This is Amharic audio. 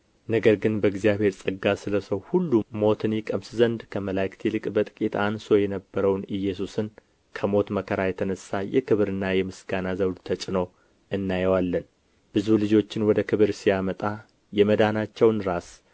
ነገር ግን በእግዚአብሔር ጸጋ ስለ ሰው ሁሉ ሞትን ይቀምስ ዘንድ ከመላእክት ይልቅ በጥቂት አንሶ የነበረውን ኢየሱስን ከሞት መከራ የተነሣ የክብርና የምስጋናን ዘውድ ተጭኖ እናየዋለን ብዙ ልጆችን ወደ ክብር ሲያመጣ የመዳናቸውን ራስ